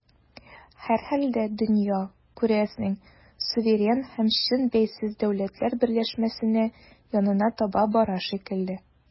Һәрхәлдә, дөнья, күрәсең, суверен һәм чын бәйсез дәүләтләр берләшмәсенә янына таба бара шикелле.